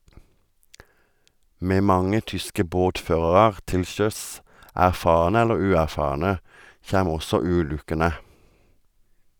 Med mange tyske båtførarar til sjøs, erfarne eller uerfarne, kjem også ulukkene.